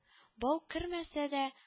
Буяу кермәсә дә